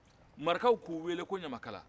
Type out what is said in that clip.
marakaw k'u wele ko ɲamakala